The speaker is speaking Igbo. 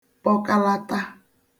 kpọkalata